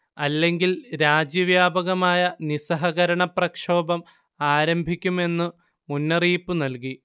അല്ലെങ്കിൽ രാജ്യവ്യാപകമായ നിസ്സഹകരണ പ്രക്ഷോഭം ആരംഭിക്കും എന്നു മുന്നറിയിപ്പുനൽകി